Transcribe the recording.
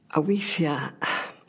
A weithia